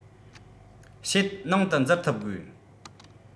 ཤད ནང དུ འཛུལ ཐུབ དགོས